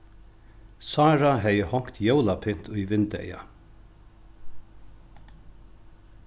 sára hevði hongt jólapynt í vindeygað